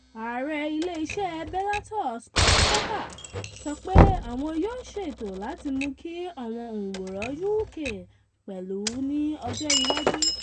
Ààrẹ ilé iṣẹ́ Bellator Scott Coker sọ pé àwọn yóò ṣèètò láti mú kí àwọn òǹwòran UK pẹ̀lú ní ọjọ́ iwájú.